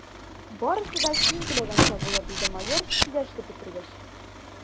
Барысы да син теләгәнчә булыр, – диде майор, сөйләшеп бетергәч.